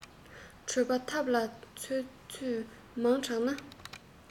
གྲོད པ ཐབ ལ ཚོད ཚོད མང དྲགས ན